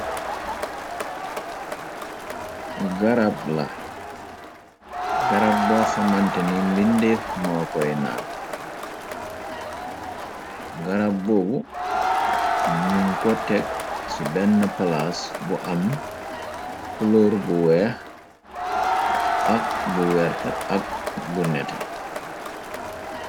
Gaarab la garaab bo xamante ni mbi ndéef mo koy naangarab boob nu ko teg ci benn palaas bu am kulóor bu weex ak bu wert ak bu nete.